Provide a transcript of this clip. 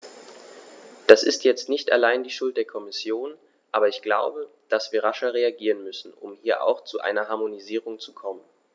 Das ist jetzt nicht allein die Schuld der Kommission, aber ich glaube, dass wir rascher reagieren müssen, um hier auch zu einer Harmonisierung zu kommen.